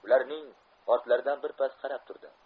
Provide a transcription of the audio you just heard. ularning ortlaridan birpas qarab turdi